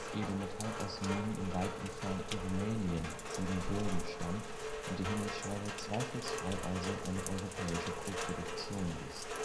Edelmetall aus Minen im weit entfernten Rumänien (Siebenbürgen) stammt und die Himmelsscheibe zweifelsfrei also eine europäische Koproduktion ist